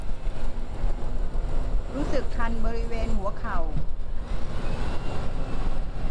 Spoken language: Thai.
รู้สึกคันบริเวณหัวเข่า